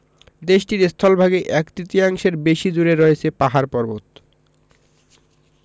দেশটির স্থলভাগে এক তৃতীয়াংশের বেশি জুড়ে রয়ছে পাহাড় পর্বত